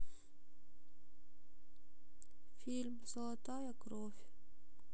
фильм золотая кровь